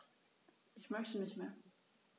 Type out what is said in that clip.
Ich möchte nicht mehr.